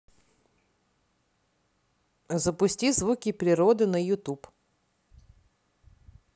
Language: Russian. запусти звуки природы на ютуб